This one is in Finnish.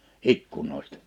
ikkunoista